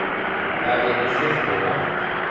havi eg nú skilt teg rætt